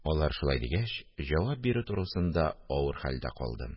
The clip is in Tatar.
Алар шулай дигәч, җавап бирү турысында авыр хәлдә калдым